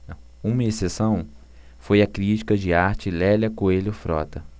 uma exceção foi a crítica de arte lélia coelho frota